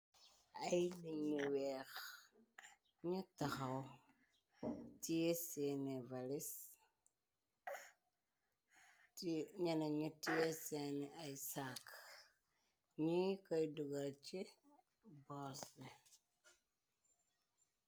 Ay niñu weex ñu taxaw, tiye seeni valis, ñëneen ñi tiye seeni ay saak, ñuy koy dugal ci bos ni.